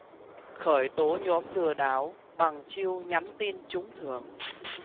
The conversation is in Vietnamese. khởi tố nhóm lừa đảo bằng chiêu nhắn tin trúng thưởng